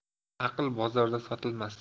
aql bozorda sotilmas